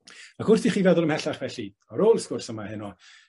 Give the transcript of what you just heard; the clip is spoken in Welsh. Ac wrth i chi feddwl ymhellach felly, ar ôl sgwrs yma heno,